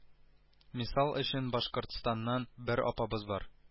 Мисал өчен башкортстаннан бер апабыз бар